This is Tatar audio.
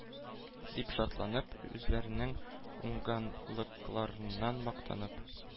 Дип шатланып, үзләренең уңганлыкларыннан мактанып,